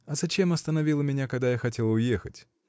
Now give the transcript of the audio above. — А зачем остановила меня, когда я хотел уехать?